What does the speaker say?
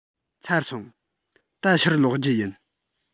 ཚར སོང ད ཕྱིར ལོག རྒྱུ ཡིན